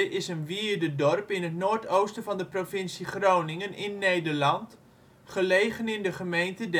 is een wierdedorp in het noordoosten van de provincie Groningen in Nederland, gelegen in de gemeente